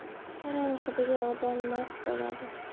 qarang hidiga odam mast bo'ladi